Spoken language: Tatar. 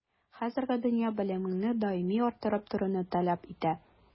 Хәзерге дөнья белемеңне даими арттырып торуны таләп итә.